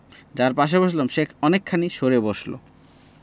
যার পাশে বসলাম সে অনেকখানি সরে বসল